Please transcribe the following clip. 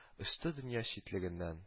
Очты дөнья читлегеннән